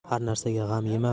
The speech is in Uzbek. har narsaga g'am yema